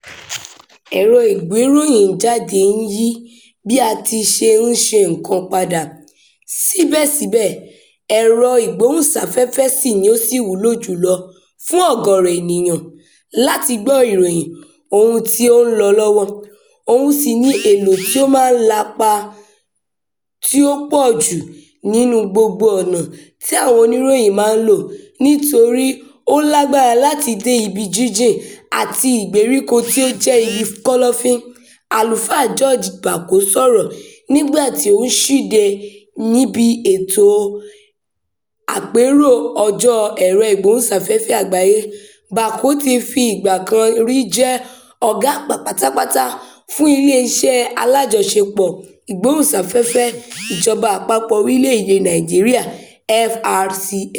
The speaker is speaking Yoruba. "Ẹ̀rọ ìgbéròyìnjáde ń yí bí a ti ṣe ń ṣe nǹkan padà, síbẹ̀síbẹ̀ ẹ̀rọ-ìgbóhùnsáfẹ́fẹ́ ṣì ni ó ṣì wúlò jù lọ fún ọ̀gọ̀rọ̀ ènìyàn láti gbọ́ ìròyìn ohun tí ó ń lọ lọ́wọ́, òhun ṣì ni ohun èlò tí ó máa ń lapa tí ó pọ̀ jù nínúu gbogbo ọ̀nà tí àwọn oníròyìn máa ń lò nítorí ó lágbára láti dé ibi jínjìn àti ìgbèríko tí ó jẹ́ ibi kọ́lọ́fín… " Àlùfáà George Bako sọ̀rọ̀, nígbà tí ó ń ṣíde ètò níbi Àpérò Ọjọ́ Ẹ̀rọ-ìgbóhùnsáfẹ́fẹ́ Àgbáyé. Bako ti fi ìgbà kan rí jẹ́ Ọ̀gá-Àgbà pátápátá fún Iléeṣẹ́ Alájọṣepọ̀ Ìgbóhùnsáfẹ́fẹ́ Ìjọba Àpapọ̀ Orílẹ̀-èdèe Nàìjíríà (FRCN).